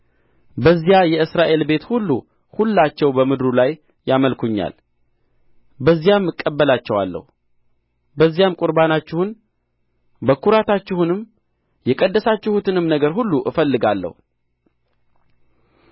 በዚያ የእስራኤል ቤት ሁሉ ሁላቸው በምድሩ ላይ ያመልኩኛል በዚያም እቀበላቸዋለሁ በዚያም ቍርባናችሁን በኵራታችሁንም የቀደሳችሁትንም ነገር ሁሉ እፈልጋለሁ